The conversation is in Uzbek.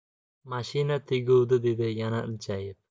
mashina teguvdi dedi yana iljayib